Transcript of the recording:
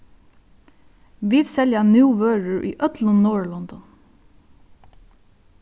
vit selja nú vørur í øllum norðurlondum